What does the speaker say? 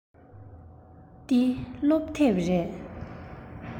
འདི སློབ དེབ རེད